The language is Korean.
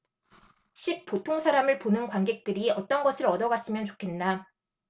십 보통사람을 보는 관객들이 어떤 것을 얻어갔으면 좋겠나